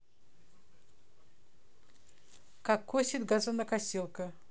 как косит газонокосилка